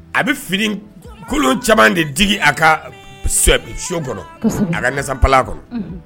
A bɛ fini kolon caman de d a ka so kɔnɔ a kasapla kɔnɔ